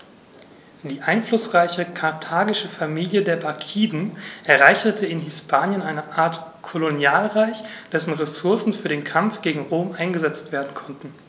Die einflussreiche karthagische Familie der Barkiden errichtete in Hispanien eine Art Kolonialreich, dessen Ressourcen für den Kampf gegen Rom eingesetzt werden konnten.